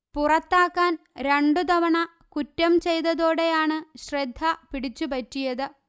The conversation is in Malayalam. പുറത്താക്കാൻ രണ്ടുതവണ കുറ്റം ചെയ്തതോടെയാണ് ശ്രദ്ധ പിടിച്ചുപറ്റിയത്